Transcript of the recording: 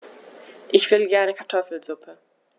Ich will gerne Kartoffelsuppe.